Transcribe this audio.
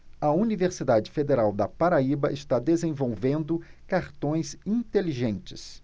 a universidade federal da paraíba está desenvolvendo cartões inteligentes